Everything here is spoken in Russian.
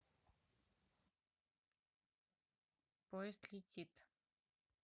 поезд летит